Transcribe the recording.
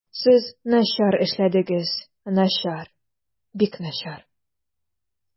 Сез начар эшләдегез, начар, бик начар.